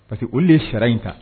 Pa parce que olu de ye sara in ta